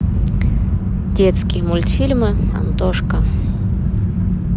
детские мультфильмы антошка